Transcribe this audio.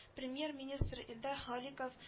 Премьер-министр Илдар Халиков